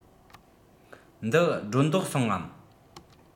འདི སྒྲོ འདོགས སོང ངམ